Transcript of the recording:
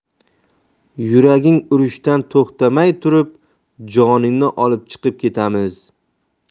yuraging urishdan to'xtamay turib joningni olib chiqib ketamiz